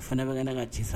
Fana bɛ kɛnɛ ne ka ci sa